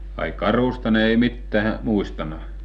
ai karhusta ne ei mitään muistanut